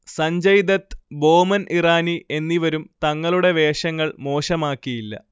സഞ്ജയ്ദത്ത്, ബോമൻ ഇറാനി എന്നിവരും തങ്ങളുടെ വേഷങ്ങൾ മോശമാക്കിയില്ല